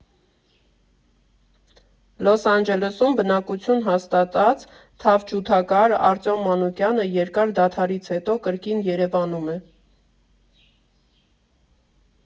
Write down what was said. Լոս Անջելեսում բնակություն հաստատած թավջութակահար Արտյոմ Մանուկյանը երկար դադարից հետո կրկին Երևանում է։